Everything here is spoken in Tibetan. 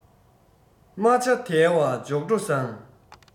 རྨ བྱ དལ བ མཇུག སྒྲོ བཟང